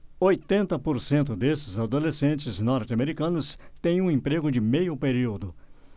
oitenta por cento desses adolescentes norte-americanos têm um emprego de meio período